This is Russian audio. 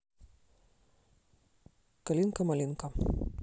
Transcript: калинка малинка